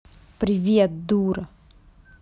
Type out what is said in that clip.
привет дура